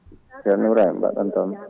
ceerno Ibrahima mbaɗɗon tampere